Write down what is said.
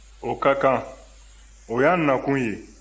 o ka kan o ye an nakun ye